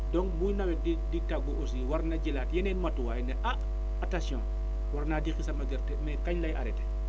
donc buy nawet di di tàggu aussi war na jëlaat yeneen matuwaay ne ah attention war naa deqi sama gerte mais kañ lay arrêté